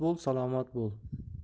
bo'l salomat bo'l